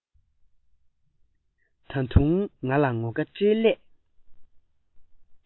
ད དུང ང ལ ངོ དགའ སྤྲེལ ལད